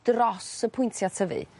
dros y pwyntia' tyfu